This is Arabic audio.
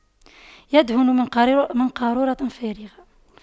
يدهن من قارورة فارغة